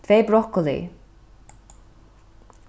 tvey brokkoli